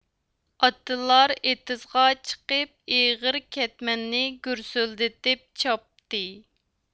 ئاتىلار ئېتىزغا چىقىپ ئېغىر كەتمەننى گۈرسۈلدىتىپ چاپتى